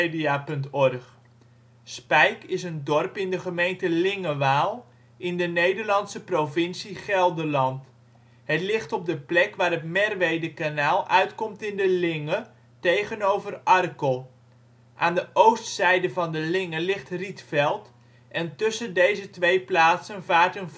OL Spijk Plaats in Nederland Situering Provincie Gelderland Gemeente Lingewaal Coördinaten 51° 51′ NB, 5° 0′ OL Algemeen Inwoners (2006) 876 Portaal Nederland Beluister (info) Spijk is een dorp in de gemeente Lingewaal in de Nederlandse provincie Gelderland. Het ligt op de plek waar het Merwedekanaal uitkomt in de Linge, tegenover Arkel. Aan de overzijde van de Linge ligt Rietveld, en tussen deze twee plaatsen vaart een